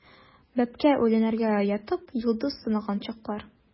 Бәбкә үләннәргә ятып, йолдыз санаган чаклар.